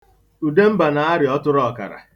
Udemba na-arịa ọtụrụọ̀kàrà.